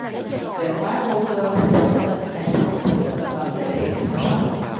về hóa vô cơ thí sinh nên hệ thống theo từng phần để tiện so sánh